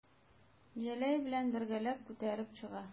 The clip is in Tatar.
Җәләй белән бергәләп күтәреп чыга.